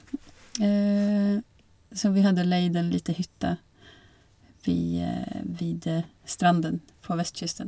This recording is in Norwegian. Så vi hadde leid en lita hytte vi ved stranden på vestkysten.